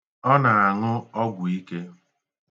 Ọ na-aṅụ ọgwụ ike.